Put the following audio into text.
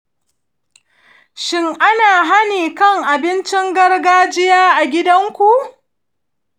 shin ana hani kan abincin gargajiya a gidanku?